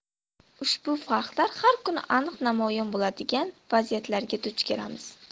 ushbu farqlar har kuni aniq namoyon bo'ladigan vaziyatlarga duch kelamiz